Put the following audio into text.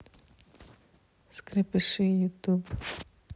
скрепыши ютуб